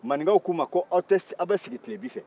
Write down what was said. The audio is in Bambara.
maninkaw k'u ma aw bɛ sigi tilebinfɛ